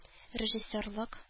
Режиссерлык